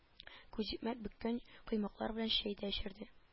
Күзикмәк бөккән коймаклар белән чәй дә эчерде